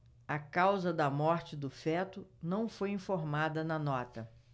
a causa da morte do feto não foi informada na nota